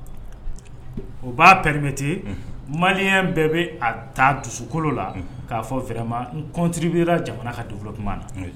O b'a permettre . Unhun. Maliyɛn bɛɛ bɛ a ta dusukolo la. Un. K'a fɔ vraiment n contribuer la jamana ka développement na. Oui.